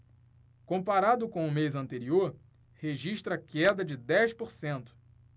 comparado com o mês anterior registra queda de dez por cento